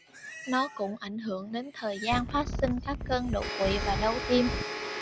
nó cũng ảnh hưởng đến thời gian phát sinh các cơn đột quỵ và đau tim